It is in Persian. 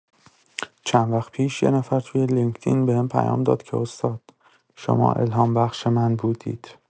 چند وقت پیش یه نفر توی لینکدین بهم پیام داد که استاد، شما الهام‌بخش من بودید.